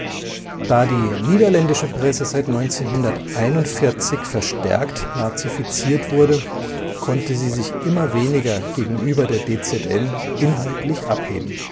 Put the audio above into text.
Da die niederländische Presse seit 1941 verstärkt nazifiziert wurde, konnte sie sich immer weniger gegenüber der DZN inhaltlich abheben